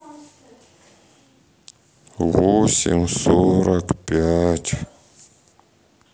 восемь сорок пять